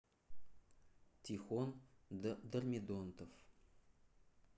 тихон дормидонтов